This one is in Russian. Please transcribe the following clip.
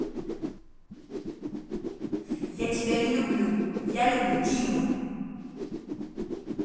я тебя не люблю я люблю дину